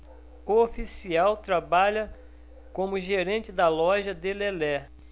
o oficial trabalha como gerente da loja de lelé